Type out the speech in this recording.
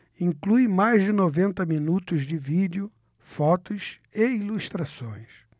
inclui mais de noventa minutos de vídeo fotos e ilustrações